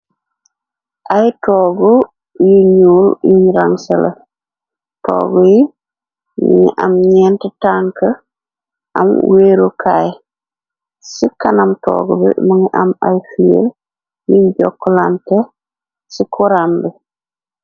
Ay toogu yi ñuul yuñ rangsela. Toogu yi mungi am ñent tank, am wéeru kaay. Ci kanam toogu bi mungi am ay kuloor yin jokklante ci kuram bi.